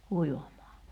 kuivamaan